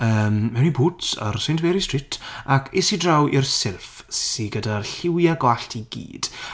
Yym mewn i Boots ar St Mary Street ac es i draw i'r silff sy gyda'r lliwiau gwallt i gyd.